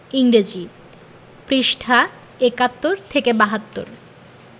ইংরেজি পৃঃ ৭১-৭২